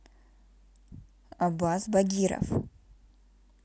аббас багиров